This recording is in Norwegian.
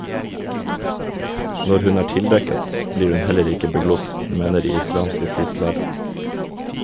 Når hun er tildekket, blir hun heller ikke beglodd , mener de islamske skriftlærde.